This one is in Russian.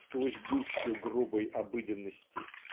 сквозь гущу грубой обыденности.